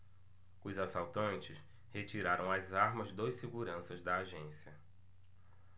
os assaltantes retiraram as armas dos seguranças da agência